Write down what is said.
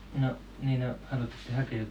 no niin no haluattekos te hakea